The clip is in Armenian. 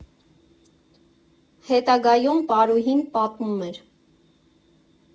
Հետագայում պարուհին պատմում էր.